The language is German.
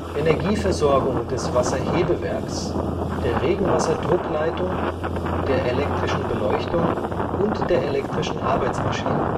Energieversorgung des Wasserhebewerks, der Regenwasserdruckleitung, der elektrischen Beleuchtung und der elektrischen Arbeitsmaschinen